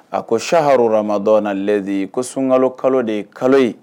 A ko sa harro adɔ na ze ko sunka kalo de ye kalo ye